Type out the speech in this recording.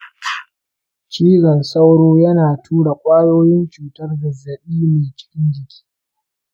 cizon sauro yana tura kwayoyin cutar zazzabi ne cikin jiki.